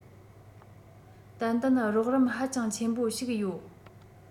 ཏན ཏན རོགས རམ ཧ ཅང ཆེན པོ ཞིག ཡོད